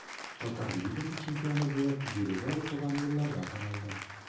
Татар лигасы чемпионы булып биредә укыган елларда танылдым.